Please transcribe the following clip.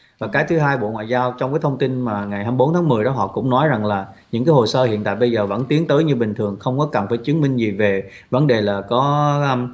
và cái thứ hai bộ ngoại giao trong cái thông tin mà ngày hăm bốn tháng mười đó họ cũng nói rằng là những cái hồ sơ hiện tại bây giờ vẫn tiến tới như bình thường không có cần phải chứng minh gì về vấn đề là có am